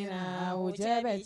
Bɛ